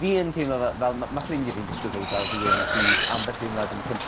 Fi yn teimlo fe- fel ma' ma' ffrindie fi'n disgrifio fi fel rhywun sydd ambell ddiwrnod yn pump